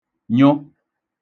nyụ